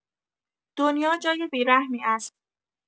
دنیا جای بی‌رحمی است.